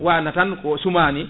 wanata tan ko suuma ni